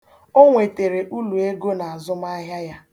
O nwetere uruego na azụmaahịa ya.